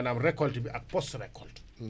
waaw parce que waxtu bi fi mu toll nii